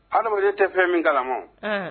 Adama tɛ fɛn min kalama